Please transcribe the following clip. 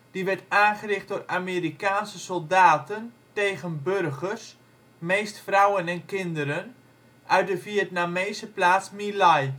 die werd aangericht door Amerikaanse soldaten tegen burgers, meest vrouwen en kinderen, uit de Vietnamese plaats My Lai